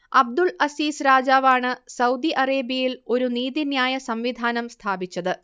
Abdul Aziz രാജാവ് ആണ് Saudi അറേബ്യയിൽ ഒരു നീതിന്യായ സംവിധാനം സ്ഥാപിച്ചത്